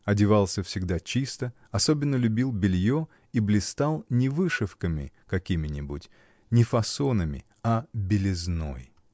Одевался всегда чисто, особенно любил белье и блистал не вышивками какими-нибудь, не фасонами, а белизной.